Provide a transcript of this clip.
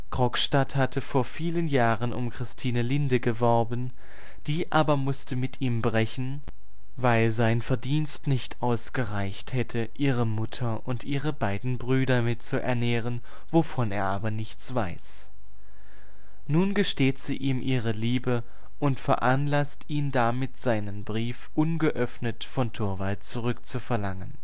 Krogstad hatte vor Jahren um Christine Linde geworben. Die aber musste mit ihm brechen, weil sein Verdienst nicht ausgereicht hätte, ihre Mutter und ihre beiden Brüder mit zu ernähren, wovon er aber nichts weiß. Nun gesteht sie ihm ihre Liebe und veranlasst ihn damit, seinen Brief ungeöffnet von Torvald zurückzuverlangen